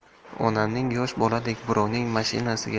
onamning yosh boladek birovning mashinasiga